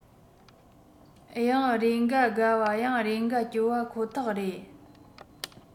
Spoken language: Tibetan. ཡང རེ འགའ དགའ བ ཡང རེ འགའ སྐྱོ བ ཁོ ཐག རེད